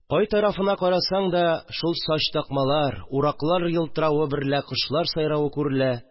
Кай тарафына карасаң да, шул сач такмалар, ураклар ялтыравы берлә кошлар сайравы күрелә